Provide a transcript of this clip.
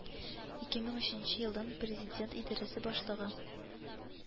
Ике мең икенче елдан президент идарәсе башлыгы